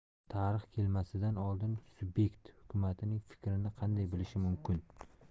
tarix kelmasidan oldin sub'ekt hukumatning fikrini qanday bilishi mumkin